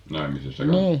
naimisissa kanssa